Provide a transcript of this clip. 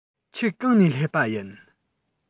ཁྱེད གང ནས སླེབས པ ཡིན